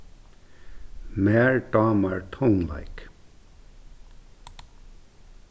mær dámar tónleik